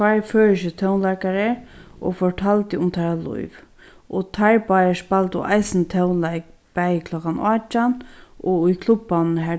tveir føroyskir tónleikarar og fortaldu um teirra lív og teir báðir spældu eisini tónleik bæði klokkan átjan og í klubbanum har